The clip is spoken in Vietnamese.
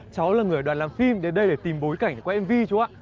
cháu là người ở đoàn làm phim đấy đây để tìm bối cảnh quay em vi chú ạ